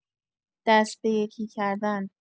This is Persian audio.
دست به یکی کردن